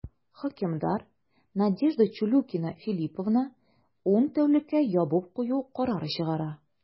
Хөкемдар Надежда Чулюкина Филлиповны ун тәүлеккә ябып кую карары чыгара.